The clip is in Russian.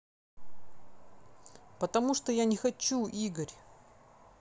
потому что я не хочу игорь